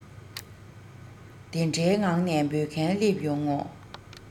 དེ འདྲའི ངང ནས འབོད མཁན སླེབས ཡོང ངོ